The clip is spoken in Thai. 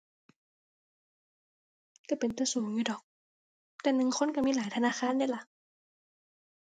ก็เป็นตาสูงอยู่ดอก แต่หนึ่งคนก็มีหลายธนาคารเดะล่ะ